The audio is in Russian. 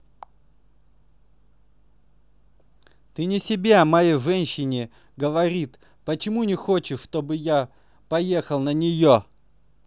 ты не себе о моей женщине говорит почему не хочешь чтобы я поехал на нее